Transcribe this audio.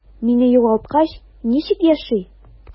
Мине югалткач, ничек яши?